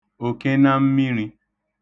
òkenammiṙī